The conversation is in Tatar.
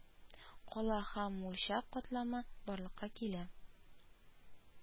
Кала һәм мульча катламы барлыкка килә